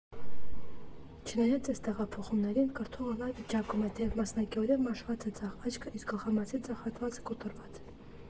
Չնայած այս տեղափոխումներին, կոթողը լավ վիճակում է, թեև մասնակիորեն մաշված է ձախ աչքը, իսկ գլխամասի ձախ հատվածը կոտրված է։